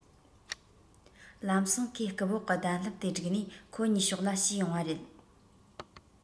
ལམ སེང ཁོའི རྐུབ འོག གི གདན ལྷེབ དེ སྒྲུག ནས ཁོ གཉིས ཕྱོགས ལ ཞུས ཡོང བ རེད